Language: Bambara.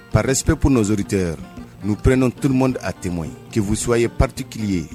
Paspoori tɛ u ppɛnenɔn turumo aa temo ke wussuya ye patikili ye